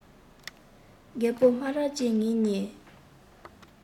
རྒད པོ སྨ ར ཅན ངེད གཉིས